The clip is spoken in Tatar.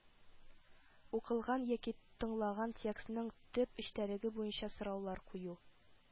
Укылган яки тыңланган текстның төп эчтəлеге буенча сораулар кую